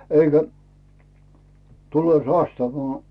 eikä tulee sastava